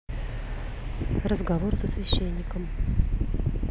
разговор со священником